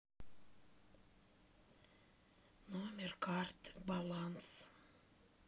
номер карты баланс